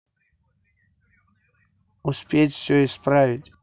успеть все исправить